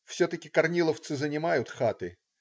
Все-таки корниловцы занимают хаты.